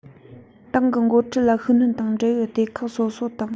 ཏང གི འགོ ཁྲིད ལ ཤུགས སྣོན དང འབྲེལ ཡོད སྡེ ཁག སོ སོ དང